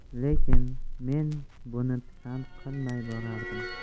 lekin men buni pisand qilmay borardim